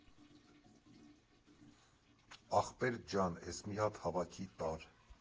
Ախպեր ջան, էս մի հատ հավաքի տար։